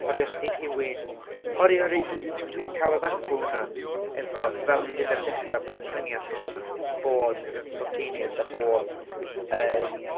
Herwydd os 'dy rhywun... herwydd herwydd dwi dwi dwi 'di cael y ddadl yna efo, fel o'n i'n deud ar y dechra, bod y gwahaniath rhwng bod yn spontaneous a bod yn...